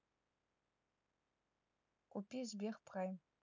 купи сберпрайм